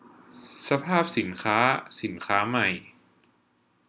สภาพสินค้าสินค้าใหม่